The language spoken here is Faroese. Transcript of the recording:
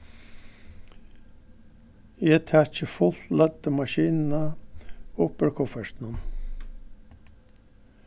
eg taki fult løddu maskinuna upp úr kuffertinum